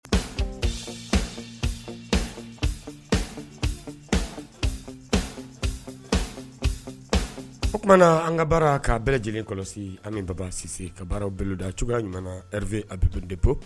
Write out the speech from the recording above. o kumana an ŋa baara k'a bɛɛ lajɛlen kɔlɔsi Ami Baba Cisse ka baaraw bɔlɔda cogoya ɲuman na RV